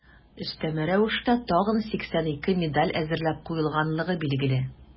Өстәмә рәвештә тагын 82 медаль әзерләп куелганлыгы билгеле.